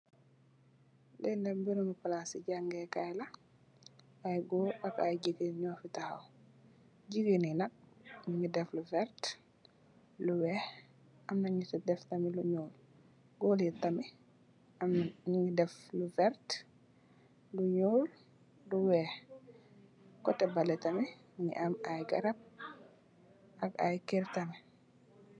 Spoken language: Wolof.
Li nak app berabi palassi jangeh kai la I gorr ak gigain nyofi tahaw gigaini nak nyungi deff lu verteh lu weih amna nyung sey def tam lu nyuul gorri tamit amna nyungi deff lu verteh lu nyuul lu weih koteh beleh tamit Mungi am I garab ak I kerr tamit.